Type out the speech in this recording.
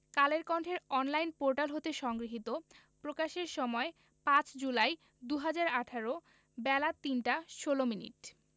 কালের কন্ঠের online portal হতে সংগৃহীত প্রকাশের সময় ৫ জুলাই ২০১৮ বেলা ৩টা ১৬ মিনিট